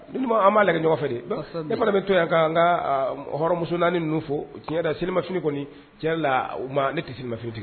Nin tuma, an b'a lajɛ ɲɔgɔnfɛ de. Kosɛbɛ.Ne fana bɛ n to yan ka n ka hɔrɔn muso naani ninnu fo tiɲɛ yɛrɛ la selimafini kɔni tiɲɛ yɛrɛ la u ma ne tɛ selimafini tigɛ.